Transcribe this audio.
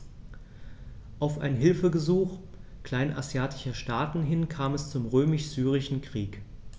Auf ein Hilfegesuch kleinasiatischer Staaten hin kam es zum Römisch-Syrischen Krieg.